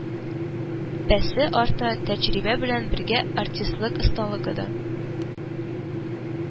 Бәсе арта, тәҗрибә белән бергә артистлык осталыгы да